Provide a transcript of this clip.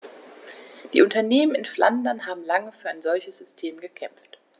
Die Unternehmen in Flandern haben lange für ein solches System gekämpft.